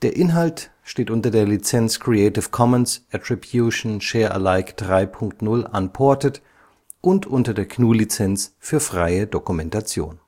Inhalt steht unter der Lizenz Creative Commons Attribution Share Alike 3 Punkt 0 Unported und unter der GNU Lizenz für freie Dokumentation